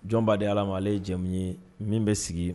Jɔn ba di ala ma ale ye jamu ye min bɛ sigi